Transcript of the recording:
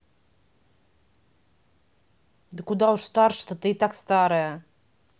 да куда уж старше то ты и так старая